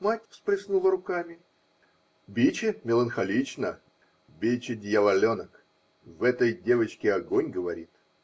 Мать всплеснула руками: -- Биче меланхолична?! Биче -- дьяволенок. В этой девочке огонь говорит.